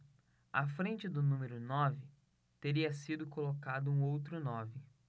à frente do número nove teria sido colocado um outro nove